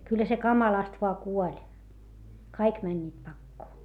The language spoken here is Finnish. kyllä se kamalasti vain kuoli kaikki menivät pakoon